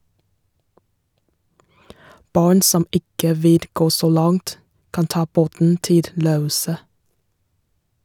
Barn som ikke vil gå så langt, kan ta båten til Røoset.